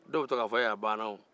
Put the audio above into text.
dɔw bɛ to k'a fɔ ee a banna o